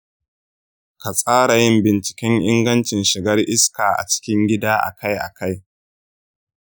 ka tsara yin binciken ingancin shigar iska a cikin gida akai-akai.